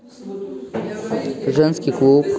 женский клуб